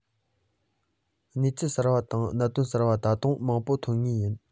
གནས ཚུལ གསར པ དང གནད དོན གསར པ ད དུང མང པོ ཐོན ངེས ཡིན